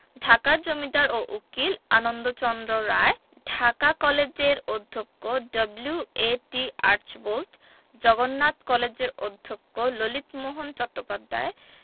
ঢাকার জমিদার ও উকিল আনন্দচন্দ্র রায় ঢাকা কলেজের অধ্যক্ক ডব্লিউ.এ.টি আর্চবোল্ট জগন্নাথ কলেজের অধ্যক্ক ললিতমোহন চট্টোপাদ্যায়